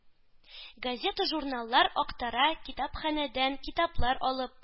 Газета-журналлар актара, китапханәдән китаплар алып